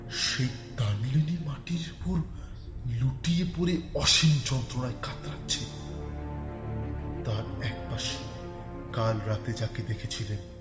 সেই তানলিনই মাটির উপর লুটিয়ে পড়ে অসীম যন্ত্রণায় কাতরাচ্ছে তার এক পাশে কাল রাতে যাকে দেখেছি